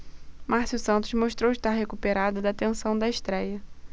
márcio santos mostrou estar recuperado da tensão da estréia